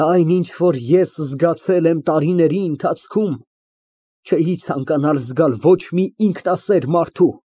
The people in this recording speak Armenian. Այն, ինչ որ ես եմ զգացել տարիների ընթացքում, չէի ցանկանալ զգալ ոչ մի ինքնասեր մարդու։